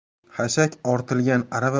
xashak ortilgan arava